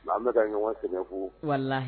An bɛka ka ɲɔgɔn sɛnɛfo walasa